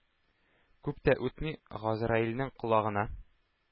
Күп тә үтми, газраилнең колагына